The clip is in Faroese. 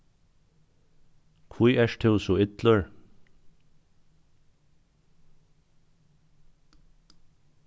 hví ert tú so illur